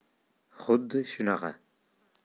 xuddi shunaqa